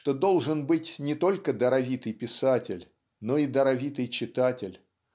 что должен быть не только даровитый писатель но и даровитый читатель.